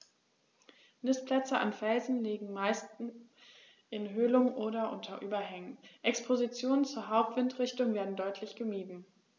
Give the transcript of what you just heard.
Nistplätze an Felsen liegen meist in Höhlungen oder unter Überhängen, Expositionen zur Hauptwindrichtung werden deutlich gemieden.